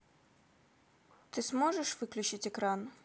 ты сможешь выключить экран